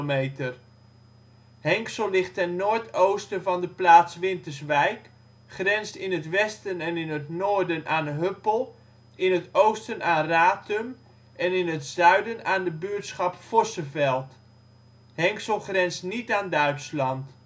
17 km². Henxel ligt ten noordoosten van de plaats Winterswijk, grenst in het westen en in het noorden aan Huppel, in het oosten aan Ratum en in het zuiden aan de buurtschap Vosseveld. Henxel grenst niet aan Duitsland